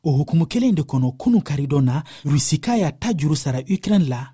o hukumu kelen de kɔnɔ kunun karidon na rusi k'a y'a ta juru sara ukraine la